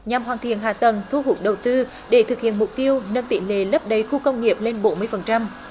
nhằm hoàn thiện hạ tầng thu hút đầu tư để thực hiện mục tiêu nâng tỷ lệ lấp đầy khu công nghiệp lên bốn mươi phần trăm